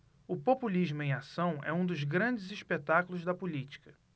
o populismo em ação é um dos grandes espetáculos da política